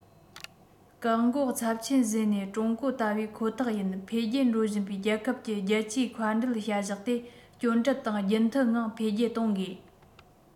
བཀག འགོག ཚབས ཆེན བཟོས ནས ཀྲུང གོ ལྟ བུའི ཁོ ཐག ཡིན འཕེལ རྒྱས འགྲོ བཞིན པའི རྒྱལ ཁབ ཀྱི རྒྱལ སྤྱིའི མཁའ འགྲུལ བྱ གཞག དེ སྐྱོན བྲལ དང རྒྱུན མཐུད ངང འཕེལ རྒྱས གཏོང དགོས